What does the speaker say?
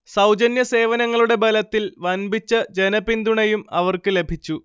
സൗജന്യ സേവനങ്ങളുടെ ബലത്തിൽ വൻപിച്ച ജനപിന്തുണയും അവർക്ക് ലഭിച്ചു